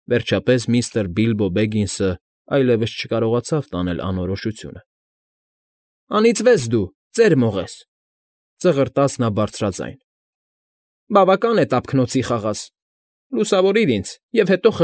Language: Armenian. Վերջապես միստր Բիլբո Բեգինսը այլևս չկարողացավ տանել անորոշությունը։ ֊ Անիծվես դու, ծեր մողես,֊ ծղրտաց նա բարձրաձայն։֊ Բավական է տափկնոցի խաղաս… Լուսավորիր ինձ ու հետո։